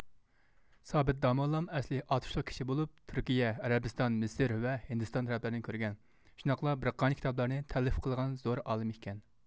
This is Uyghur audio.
سابىت داموللام ئەسلى ئاتۇشلۇق كىشى بولۇپ تۈركىيە ئەرەبىستان مىسىر ۋە ھىندىستان تەرەپلەرنى كۆرگەن شۇنداقلا بىر قانچە كىتابلارنى تەلىف قىلغان زور ئالىم ئىكەن